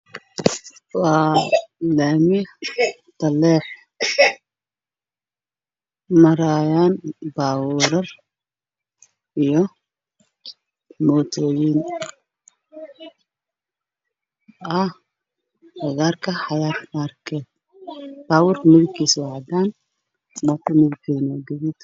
Meeshan waxaa taalo mooto bajaaj